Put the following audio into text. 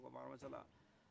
a ko bakaramassala